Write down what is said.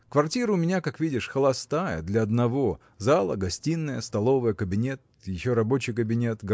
Квартира у меня, как видишь, холостая, для одного зала гостиная столовая кабинет еще рабочий кабинет